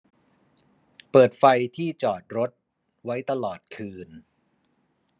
เปิดไฟที่จอดรถไว้ตลอดคืน